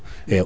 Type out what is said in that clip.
eywa